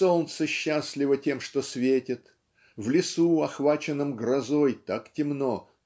солнце счастливо тем, что светит в лесу охваченном грозой так темно